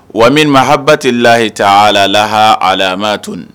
Wa min habatilayita alaha ala a'a to